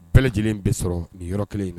Bɛɛ lajɛlen bɛ sɔrɔ nin yɔrɔ kelen in na